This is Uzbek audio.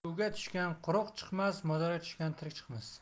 suvga tushgan quruq chiqmas mozorga tushgan tirik chiqmas